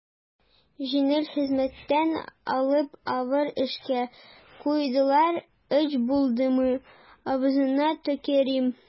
Җиңел хезмәттән алып авыр эшкә куйдылар, өч булдымы, авызыңа төкерим.